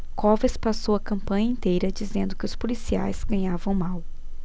covas passou a campanha inteira dizendo que os policiais ganhavam mal